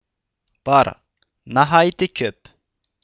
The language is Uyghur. بار ناھايتى كۆپ